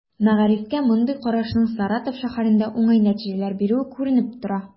Мәгарифкә мондый карашның Саратов шәһәрендә уңай нәтиҗәләр бирүе күренеп тора.